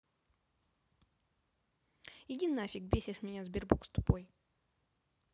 иди нафиг бесишь меня sberbox тупой